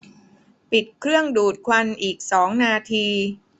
ปิดเครื่องดูดควันอีกสองนาที